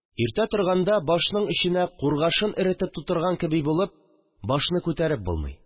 Иртә торганда, башның эченә кургашын эреп тутырган кеби булып, башны күтәреп булмый